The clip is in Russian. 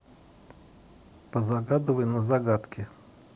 позагадывай на загадки